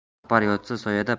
rahbar yotsa soyada